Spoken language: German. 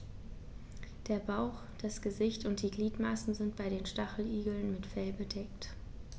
Der Bauch, das Gesicht und die Gliedmaßen sind bei den Stacheligeln mit Fell bedeckt.